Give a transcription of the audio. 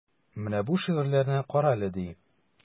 Менә бу шигырьләрне карале, ди.